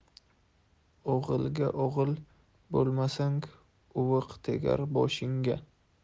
o'g'ilga o'g'il bo'lmasang uviq tegar boshingga